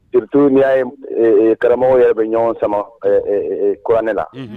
Donsot' y'a karamɔgɔw yɛrɛ bɛ ɲɔgɔn sama kuranɛ la